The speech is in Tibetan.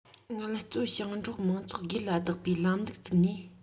ངལ རྩོལ ཞིང འབྲོག མང ཚོགས སྒེར ལ བདག པའི ལམ ལུགས བཙུགས ནས